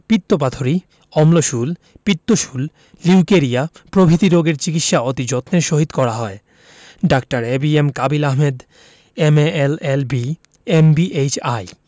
পিত্তপাথড়ী অম্লশূল পিত্তশূল লিউকেরিয়া প্রভৃতি রোগের চিকিৎসা অতি যত্নের সহিত করা হয় ডাঃ A B M Kabil Ahmed M A L L B M B H I